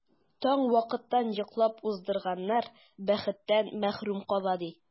Таң вакытын йоклап уздырганнар бәхеттән мәхрүм кала, ди.